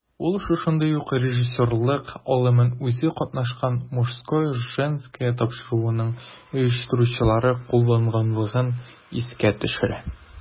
Ул шушындый ук режиссерлык алымын үзе катнашкан "Мужское/Женское" тапшыруының оештыручылары кулланганлыгын искә төшерә.